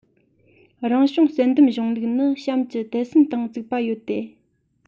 རང བྱུང བསལ འདེམས གཞུང ལུགས ནི གཤམ གྱི དད སེམས སྟེང བཙུགས པ ཡོད དེ